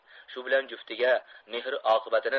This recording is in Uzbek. shu bilan juftiga mehr oqibatini